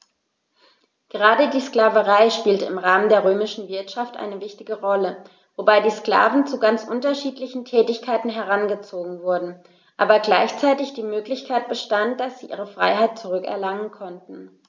Gerade die Sklaverei spielte im Rahmen der römischen Wirtschaft eine wichtige Rolle, wobei die Sklaven zu ganz unterschiedlichen Tätigkeiten herangezogen wurden, aber gleichzeitig die Möglichkeit bestand, dass sie ihre Freiheit zurück erlangen konnten.